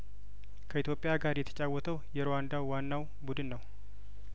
ከኢትዮጵያ ጋር የተጫወተው የሩዋንዳው ዋናው ቡድን ነው